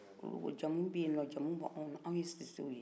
ulu ko jamu bɛye nɔn jamu b'an na aw ye sisew ye